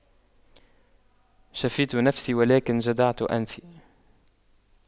شفيت نفسي ولكن جدعت أنفي